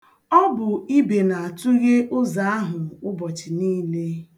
Ọ bụ Ibe na-atụghe ụzọ ahụ ụbọchị niile.